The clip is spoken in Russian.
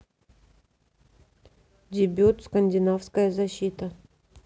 дебют скандинавская защита